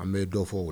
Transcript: An bɛ dɔ fɔ wele